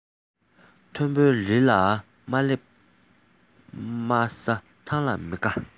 མཐོན པོའི རི ལ མ སླེབས དམའ ས ཐང ལ མི དགའ